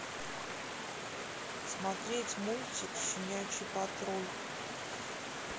смотреть мультик щенячий патруль